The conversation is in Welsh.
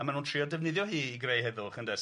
A maen nhw'n trio defnyddio hi i greu heddwch ynde